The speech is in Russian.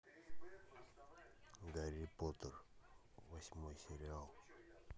гарри поттер восьмой сериал